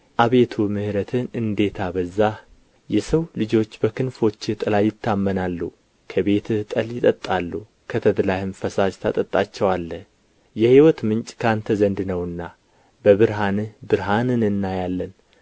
አቤቱ ምሕረትህን እንዴት አበዛህ የሰው ልጆች በክንፎችህ ጥላ ይታመናሉ ከቤትህ ጠል ይጠጣሉ ከተድላም ፈሳሽ ታጠጣቸዋለህ የሕይወት ምንጭ ከአንተ ዘንድ ነውና በብርሃንህ ብርሃንን እናያለን